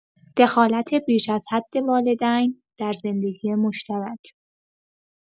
دخالت بیش از حد والدین در زندگی مشترک